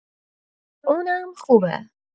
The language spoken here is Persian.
اونم خوبه